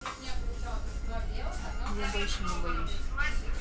я больше не боюсь